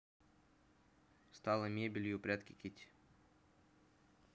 стала мебелью прятки китти